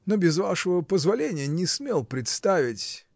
но без вашего позволения не смел представить.